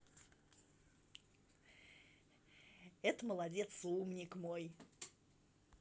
это молодец умник мой